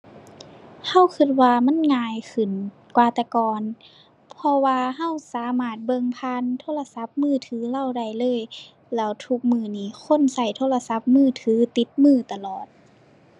เราเราว่ามันง่ายขึ้นกว่าแต่ก่อน เพราะว่าเราสามารถเบิ่งผ่านโทรศัพท์มือถือเราได้เลย แล้วทุกมื้อนี้คนเราโทรศัพท์มือถือติดมือตลอด